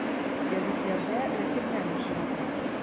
Гәзитләрдә рәсемнәрем чыга тора.